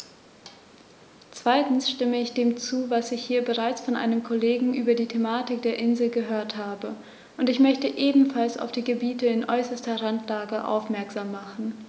Zweitens stimme ich dem zu, was ich hier bereits von einem Kollegen über die Thematik der Inseln gehört habe, und ich möchte ebenfalls auf die Gebiete in äußerster Randlage aufmerksam machen.